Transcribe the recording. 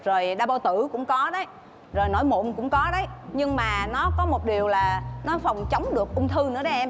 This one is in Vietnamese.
rồi đau bao tử cũng có đấy rồi nổi mụn cũng có đấy nhưng mà nó có một điều là nó phòng chống được ung thư nữa đó em